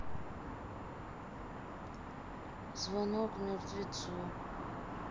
звонок мертвецу